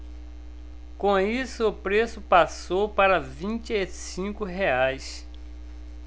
com isso o preço passou para vinte e cinco reais